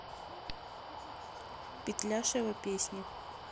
петляшева песни